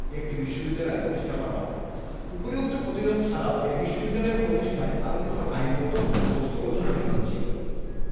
একটি বিশ্ববিদ্যালয় প্রতিষ্ঠা করা হবে উপরিউক্ত প্রতিরোধ ছাড়াও এ বিশ্ববিদ্যালয় প্রতিষ্ঠায় আরও কিছু আইনগত ও বস্ত্তগত জটিলতা ছিল